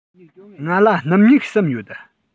ང ལ སྣུམ སྨྱུག གསུམ ཡོད